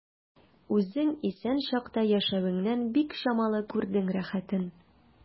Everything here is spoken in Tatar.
Үзең исән чакта яшәвеңнең бик чамалы күрдең рәхәтен.